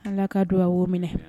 Ala ka don a wo minɛ